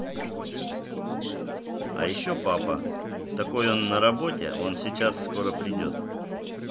а еще папа такой он на работе он сейчас скоро приедет